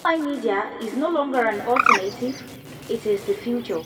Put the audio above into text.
Online media is no longer an alternative: it is the future.